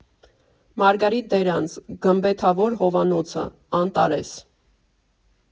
Մարգարիտ Դերանց, «Գմբեթավոր հովանոցը», Անտարես։